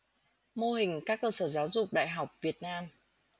mô hình các cơ sở giáo dục đại học việt nam